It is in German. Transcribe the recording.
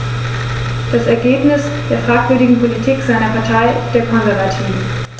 Das ist das Ergebnis der fragwürdigen Politik seiner Partei, der Konservativen.